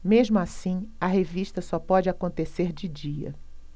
mesmo assim a revista só pode acontecer de dia